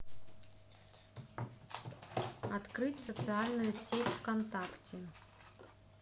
открыть социальную сеть вконтакте